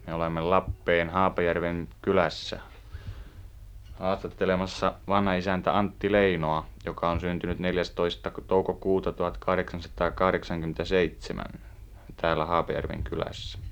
me olemme Lappeen Haapajärven kylässä haastattelemassa vanhaisäntä Antti Leinoa joka on syntynyt neljästoista - toukokuuta tuhatkahdeksansataa kahdeksankymmentäseitsemän täällä Haapajärven kylässä